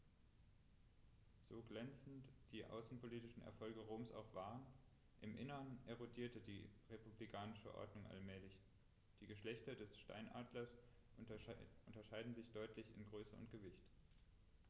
So glänzend die außenpolitischen Erfolge Roms auch waren: Im Inneren erodierte die republikanische Ordnung allmählich. Die Geschlechter des Steinadlers unterscheiden sich deutlich in Größe und Gewicht.